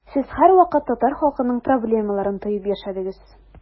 Сез һәрвакыт татар халкының проблемаларын тоеп яшәдегез.